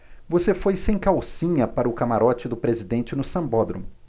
você foi sem calcinha para o camarote do presidente no sambódromo